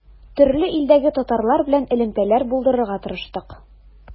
Төрле илдәге татарлар белән элемтәләр булдырырга тырыштык.